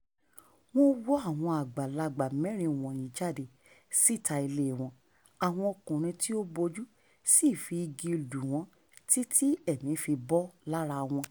Wọ́n wọ́ àwọn àgbàlagbà mẹ́rin wọ̀nyí jáde síta ilée wọn, àwọn ọkùnrin tí ó bòjú sì fi igi lù wọ́n títí tí ẹ̀mí fi bọ́ lára wọn.